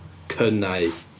Cynnau.